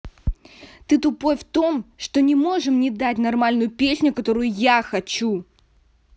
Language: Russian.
ты тупой в том что не можем не дать нормальную песню которую я хочу